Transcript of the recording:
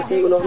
ok